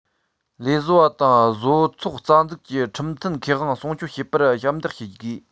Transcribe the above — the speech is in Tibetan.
ལས བཟོ པ དང བཟོ ཚོགས རྩ འཛུགས ཀྱི ཁྲིམས མཐུན ཁེ དབང སྲུང སྐྱོང བྱེད པར ཞབས འདེགས ཞུ དགོས